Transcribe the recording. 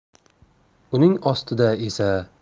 uning ostida esa